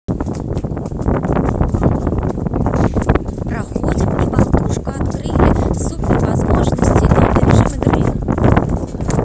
проходим и болтушка открыли супервозможностей новый режим игры